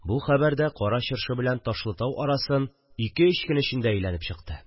Бу хәбәр дә Кара Чыршы белән Ташлытау арасын ике-өч көн эчендә әйләнеп чыкты